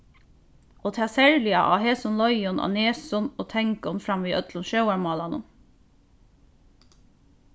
og tað serliga á hesum leiðum á nesum og tangum fram við øllum sjóvarmálanum